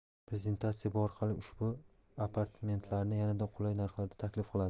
rezidensiya bu orqali ushbu apartamentlarni yanada qulay narxlarda taklif qiladi